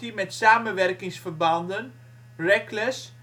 met samenwerkingsverbanden; Reckless